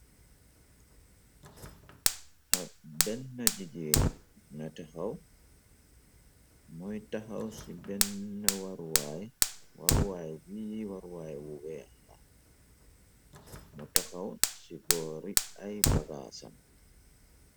Arr benna jigéen na texaw muy taxaw ci benna waruwaay waruwaay bii waruwaay wu weex la mu taxaw ci boori ay bagaasam.